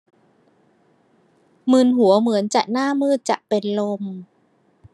มึนหัวเหมือนจะหน้ามืดจะเป็นลม